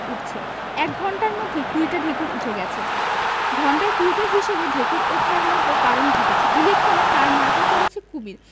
উঠছে এক ঘণ্টার মধ্যে কুড়িটা ঢেকুর ওঠে গেছে ঘণ্টায় কুড়িটা হিসেবে ঢেকুর ওঠার মত কারণ ঘটেছে ইলেকশনে তাঁর মার্কা পড়েছে কুমীর